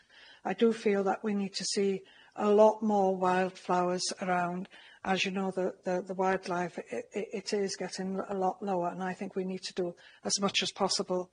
I do feel that we need to see a lot more wildflowers around. As you know the the the wildlife i- i- it is getting l- a lot lower, and I think we need to do as much as possible